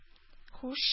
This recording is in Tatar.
Һуш